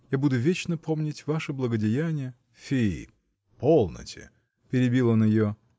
я буду вечно помнить ваши благодеяния. -- Фи! полноте, -- перебил он ее.